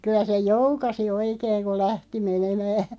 kyllä se joukasi oikein kun lähti menemään